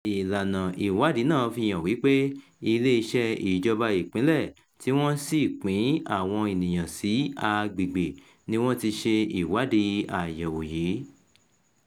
Ìlànà ìwádìí náà fi hàn wípé "iléeṣẹ́ ìjọba Ìpínlẹ̀ tí wọ́n sì pín àwọn ènìyàn sí agbègbè" ni wọ́n ti ṣe ìwádìí àyẹ̀wò yìí.